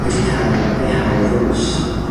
wedi cael eu hail ddos.